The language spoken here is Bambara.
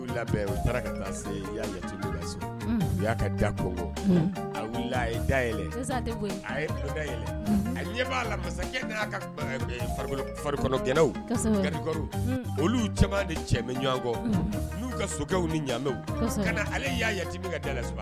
A da da yɛlɛ a a ɲɛ b'a la masakɛa fari gw olu cɛman de cɛ ɲɔgɔnkɔu ka sokɛw ni ɲamɛw ka na ale y'a jateti min da